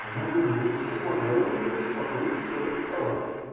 Она обернулась, посмотрела на него и спокойно села у стола.